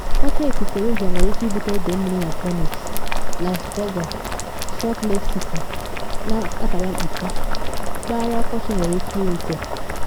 Oke Ifufe Rosa Nwere Ike Ibute Ide Mmiri na Phoenix, Las Vega, Salt Lake City (Mpaghara Ọkọchị Nwere Ike Irite)